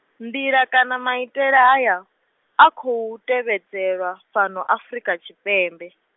nḓila kana maitele haya, a khou tevhedzelwa, fhano Afurika Tshipembe.